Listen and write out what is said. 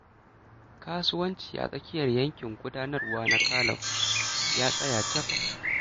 Kasuwanci a tsakiyar yankin gudanarwa na Kalou ya tsaya cak.